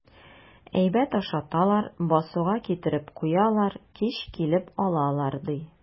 Әйбәт ашаталар, басуга китереп куялар, кич килеп алалар, ди.